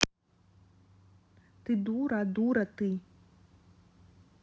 ты дура дура ты